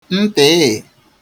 ntịị̀